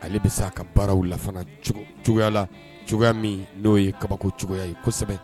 Ale bɛ se ka baaraw la fana cogoyala cogoya min n'o ye kabako cogoya ye kosɛbɛ